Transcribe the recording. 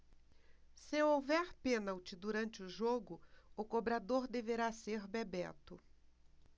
se houver pênalti durante o jogo o cobrador deverá ser bebeto